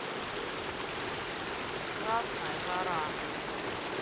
красная жара